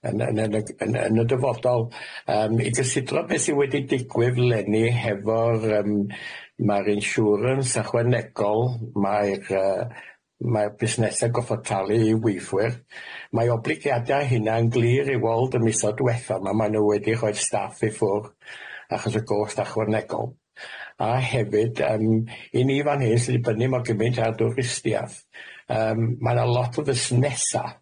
yn yn yn yn yn yn y dyfodol yym i gysidro beth sy wedi digwydd leni hefo'r yym ma'r inshwrans ychwanegol mae'r yy mae'r busnesa gofod talu'i weithwyr mae obligiada' hynna yn glir i weld y misoedd dwetha ma' ma' n'w wedi rhoid staff i ffwr' achos y gost ychwanegol a hefyd yym i ni fan hyn sy'n dibynnu mor gymint ar dwristiaeth yym ma' na lot o fusnesa'